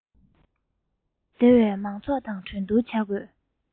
སྡེ བའི མང ཚོགས དང གྲོས བསྡུར བྱ དགོས